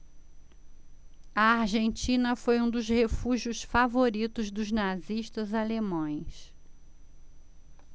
a argentina foi um dos refúgios favoritos dos nazistas alemães